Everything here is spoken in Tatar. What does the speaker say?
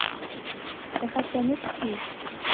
Рәхәтләнеп ки!